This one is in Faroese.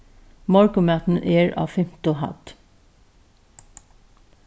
morgunmaturin er á fimtu hædd